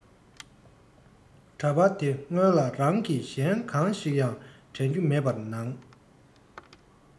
འདྲ པར དེ སྔོན ལ རང གི གཞན གང ཞིག ཡང དྲན རྒྱུ མེད པར ནང